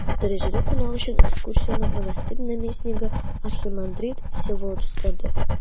Дәрәҗәле кунак өчен экскурсияне монастырь наместнигы архимандрит Всеволод үткәрде.